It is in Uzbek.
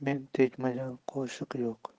men tegmagan qoshiq yo'q